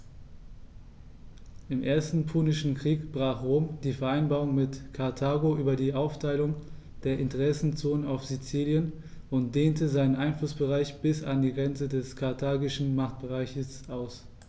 Im Ersten Punischen Krieg brach Rom die Vereinbarung mit Karthago über die Aufteilung der Interessenzonen auf Sizilien und dehnte seinen Einflussbereich bis an die Grenze des karthagischen Machtbereichs aus.